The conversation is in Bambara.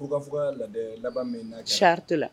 K'u kaa fɔ ka laada laban min na cari tɛ la